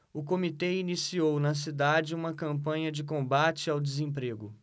o comitê iniciou na cidade uma campanha de combate ao desemprego